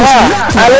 waaw alo